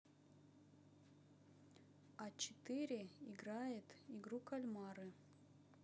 а четыре играет игру кальмары